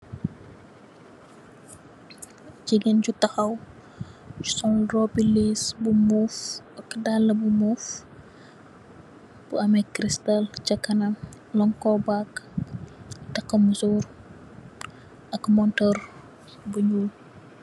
Jigéen ju tahaw sol robbu lis bu move ak daal bu move bi ameh cristal cha kanam, lunko bag, takka musóor ak montorr bi ñuul.